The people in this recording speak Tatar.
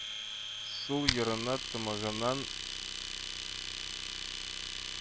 Сул ярына тамагыннан